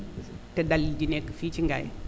te dal yi nekk fii ci Ngaye